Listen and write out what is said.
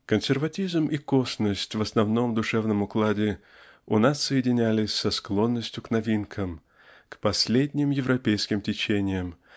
Консерватизм и косность в основном душевном укладе у нас соединялись с склонностью новинкам к последним европейским течениям